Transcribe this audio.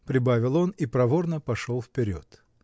— прибавил он и проворно пошел вперед.